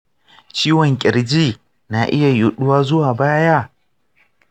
ciwon kirji na iya yaɗuwa zuwa baya?